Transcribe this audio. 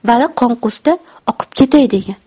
vali qonqusda oqib ketay degan